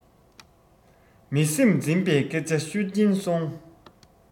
མི སེམས འཛིན པའི སྐད ཆ ཤོད ཀྱིན སོང